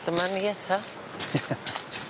Dyma ni eto. Ia